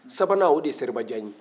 sabanan o de ye seribajan ye